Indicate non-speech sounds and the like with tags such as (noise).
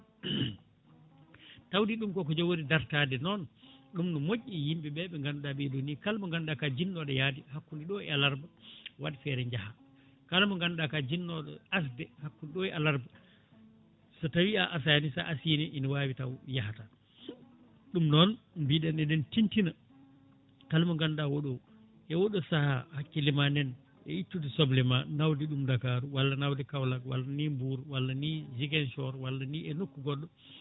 (clears throat) tawde ɗum koko jogori dartade noon ɗum no moƴƴi yimɓeɓe ɓe ganduɗa ɓeeɗo ni kala mo ganduɗa ko jinnoɗo yaade hakkode ɗo e alarba wat feere jaaha kala mo ganduɗa ko jinnoɗo asde hakkude ɗo e alarba so tawi a asani sa asine ine wawi taw yaahata ɗum noon mbiɗen eɗen tintina kala mo ganduɗa oɗo e oɗo saaha hakkille ma nani e ittde soble ma nawde ɗum dakaru walla nawde Kaolack walla ni Mbour walla ni Ziguinchor walla ni e nokku goɗɗo